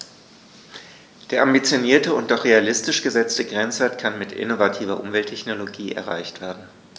Der ambitionierte und doch realistisch gesetzte Grenzwert kann mit innovativer Umwelttechnologie erreicht werden.